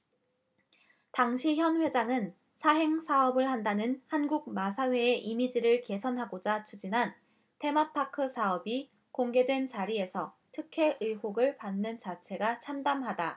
당시 현 회장은 사행사업을 한다는 한국마사회의 이미지를 개선하고자 추진한 테마파크 사업이 공개된 자리에서 특혜 의혹을 받는 자체가 참담하다